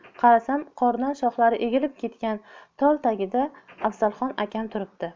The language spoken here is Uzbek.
qarasam qordan shoxlari egilib ketgan tol tagida afzalxon akam turibdi